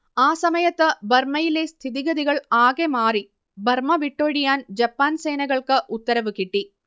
ആ സമയത്ത് ബർമ്മയിലെ സ്ഥിതിഗതികൾ ആകെ മാറി ബർമ്മ വിട്ടൊഴിയാൻ ജപ്പാൻ സേനകൾക്ക് ഉത്തരവ് കിട്ടി